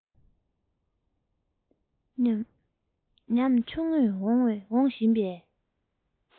ཉམ ཆུང ངུས འོང བཞིན པའི